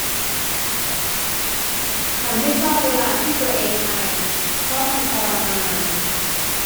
ฉันไม่ชอบเวลาที่ตัวเองไอเพราะมันทรมาน